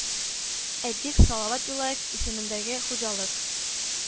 Әйтик, Салават Юлаев исемендәге хуҗалык